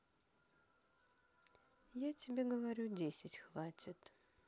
я тебе говорю десять хватит